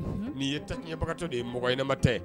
N'i ye taɲɛbagatɔ de ye mɔgɔ ye nema tɛ